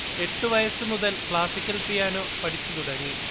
എട്ട് വയസ് മുതൽ ക്ലാസിക്കൽ പിയാനോ പഠിച്ച് തുടങ്ങി